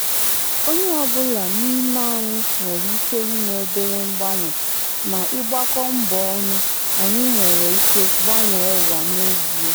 Onye ọbụla n'ime anyị nwere ike ime obere mgbanwe ma ịgbakọ mbọ ọnụ anyị nwere ike gbanwee ụwa n'ezie.